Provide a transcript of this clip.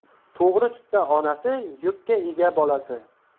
to'g'ri tutsa onasi yurtga ega bolasi